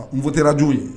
N kɛra jugu ye